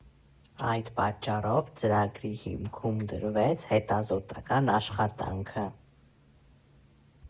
Այդ պատճառով ծրագրի հիմքում դրվեց հետազոտական աշխատանքը։